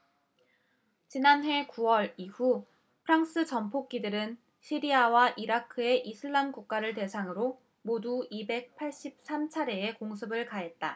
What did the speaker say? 지난해 구 월 이후 프랑스 전폭기들은 시리아와 이라크의 이슬람국가를 상대로 모두 이백 팔십 삼 차례의 공습을 가했다